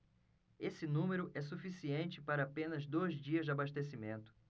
esse número é suficiente para apenas dois dias de abastecimento